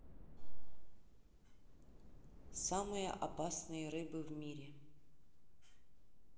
самые опасные рыбы в мире